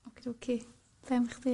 Oci doci. Be' am chdi...